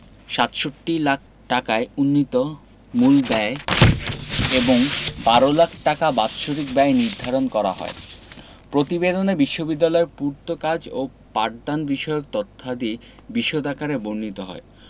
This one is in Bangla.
৬৭ লাখ টাকায় উন্নীত মূল ব্যয় এবং ১২ লাখ টাকা বাৎসরিক ব্যয় নির্ধারণ করা হয় প্রতিবেদনে বিশ্ববিদ্যালয়ের পূর্তকাজ ও পাঠদানবিষয়ক তথ্যাদি বিশদ আকারে বর্ণিত হয়